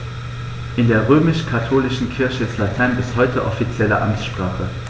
In der römisch-katholischen Kirche ist Latein bis heute offizielle Amtssprache.